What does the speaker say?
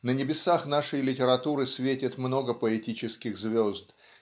На небесах нашей литературы светит много поэтических звезд